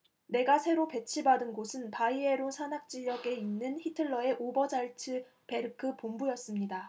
내가 새로 배치받은 곳은 바이에른 산악 지역에 있는 히틀러의 오버잘츠베르크 본부였습니다